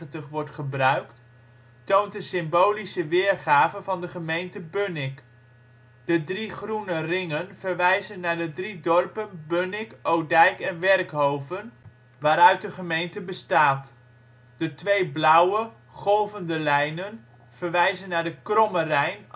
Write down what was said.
gebruikt, toont een symbolische weergave van de gemeente Bunnik. De drie groene ringen verwijzen naar de drie dorpen Bunnik, Odijk en Werkhoven, waaruit de gemeente bestaat. De twee blauwe, golvende lijnen verwijzen naar de Kromme Rijn